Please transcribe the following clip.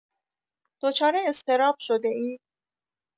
دچار اضطراب شده‌اید؟